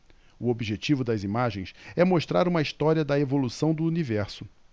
o objetivo das imagens é mostrar uma história da evolução do universo